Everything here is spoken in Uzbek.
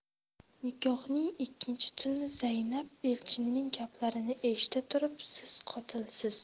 nikohning ikkinchi tuni zaynab elchinning gaplarini eshita turib siz qotilsiz